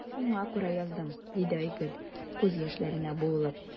Шуңа күрә яздым,– диде Айгөл, күз яшьләренә буылып.